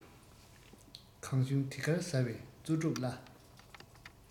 ཟས ལ གཙང སྨེ མེད པའི བག ཡངས པོ